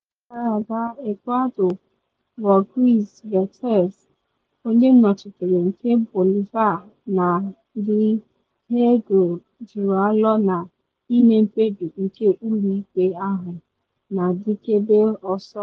Onye isi ala gara aga Eduardo Rodríguez Veltzé, onye nnọchite nke Bolivia na The Hague, jụrụ alo na ịme mkpebi nke ụlọ ikpe ahụ na adịkebe ọsọ.